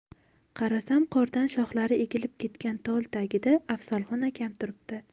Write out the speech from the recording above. qarasam qordan shoxlari egilib ketgan tol tagida afzalxon akam turibdi